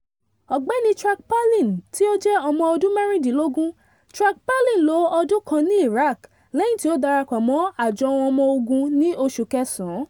Ògbẹ́ni Track Palin tí ó jẹ́ ọmọ ọdún mẹ́rìndínlógún Track Palin lo ọdún kan ní Iraq lẹ́yìn tí ó darapọ̀ mọ́ àjọ àwọn ọmọ ogun ní oṣù kẹsàán.